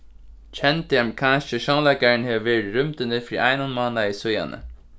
kendi amerikanski sjónleikarin hevur verið í rúmdini fyri einum mánaði síðani